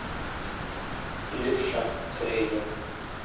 левша трейлер